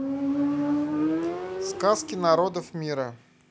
сказки народов мира